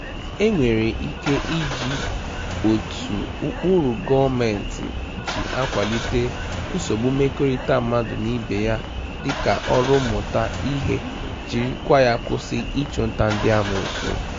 E nwere ike iji otu ụkpụrụ gọọmentị ji akwalite nsogbu mmekọrịta mmadụ na ibe ya dịka ọrụ mmụta ihe jiri kwa ya kwụsị ịchụnta ndị amoosu.